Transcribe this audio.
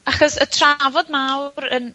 Achos y trafod mawr yn...